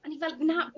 o'n i fel na